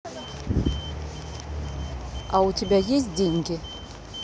а у тебя есть деньги